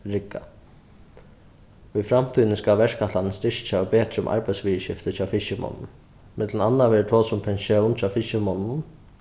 rigga í framtíðini skal verkætlanin styrkja og betra um arbeiðsviðurskifti hjá fiskimonnum millum annað verður tosað um pensjón hjá fiskimonnunum